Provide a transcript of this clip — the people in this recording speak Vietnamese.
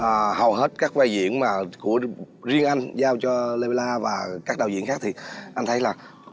à hầu hết các vai diễn mà của riêng anh giao cho lê bê la và các đạo diễn khác thì anh thấy là